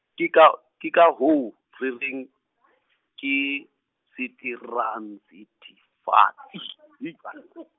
ke ka, ke ka hoo, re reng , ke, seteransethifatsi .